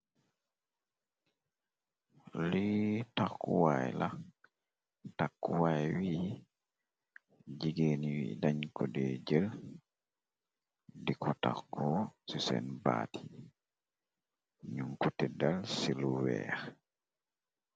Lii takkuwaay la takkuwaay wi yi jigéeni dañ ko dee jël di ko taxro ci seen baat yi ñum ko teddal ci lu weex.